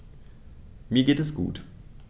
Mir geht es gut.